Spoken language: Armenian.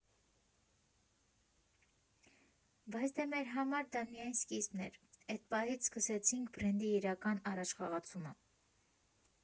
Բայց դե մեր համար դա միայն սկիզբն էր, էդ պահից սկսեցինք բրենդի իրական առաջխաղացումը։